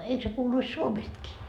eikö se kuuluisi Suomestakin